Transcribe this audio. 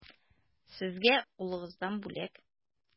Сезгә улыгыздан бүләк.